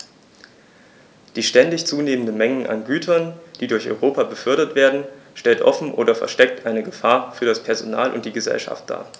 Die ständig zunehmende Menge an Gütern, die durch Europa befördert werden, stellt offen oder versteckt eine Gefahr für das Personal und die Gesellschaft dar.